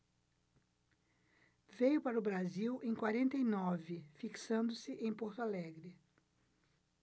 veio para o brasil em quarenta e nove fixando-se em porto alegre